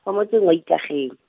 ko motseng wa Ikageng.